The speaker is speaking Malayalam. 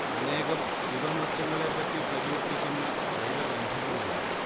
അനേകം ശിവനൃത്തങ്ങളെപ്പറ്റി പ്രകീർത്തിക്കുന്ന ശൈവഗ്രന്ഥങ്ങളുണ്ട്